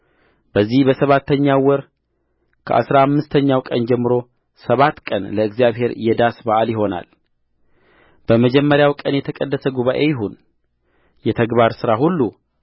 በዚህ በሰባተኛው ወር ከአሥራ አምስተኛው ቀን ጀምሮ ሰባት ቀን ለእግዚአብሔር የዳስ በዓል ይሆናልበመጀመሪያው ቀን የተቀደሰ ጉባኤ ይሁን የተግባር ሥራ ሁሉ